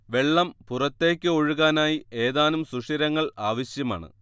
വെള്ളം പുറത്തേക്ക് ഒഴുകാനായി ഏതാനും സുഷിരങ്ങൾ ആവശ്യമാണ്